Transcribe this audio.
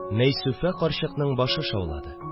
Мәйсүфә карчыкның башы шаулады